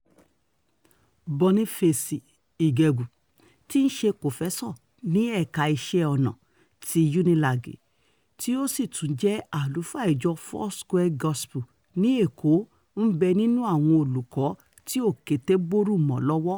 Boniface Igbeneghu, tí í ṣe kòfẹ́sọ̀ ní ẹ̀ka iṣẹ́ ọnà ti UNILAG, tí ó sì tún jẹ́ àlùfáà Ìjọ Foursquare Gospel, ní Èkó, ń bẹ nínú àwọn olùkọ́ tí òkété bórù mọ́ lọ́wọ́.